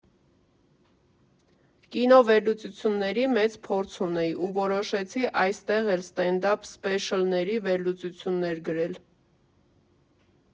Կինովերլուծությունների մեծ փորձ ունեի ու որոշեցի այստեղ էլ ստենդափ սփեշլների վերլուծություններ գրել։